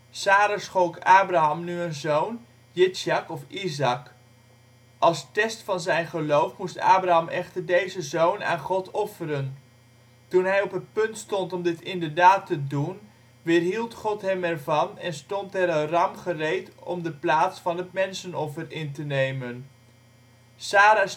Sara schonk hem een zoon Izaäk. Als test van zijn geloof moest Abraham echter dit zoontje offeren. Toen hij op het punt stond om dit inderdaad te doen, weerhield God hem ervan en stond er een ram gereed om de plaats van het mensenoffer in te nemen. Sara